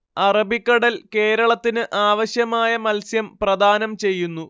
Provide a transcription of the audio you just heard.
അറബിക്കടൽ കേരളത്തിന് ആവശ്യമായ മത്സ്യം പ്രദാനം ചെയ്യുന്നു